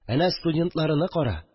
Әнә студентларыны кара